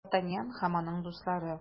Д’Артаньян һәм аның дуслары.